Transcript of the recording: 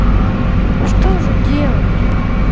что же делать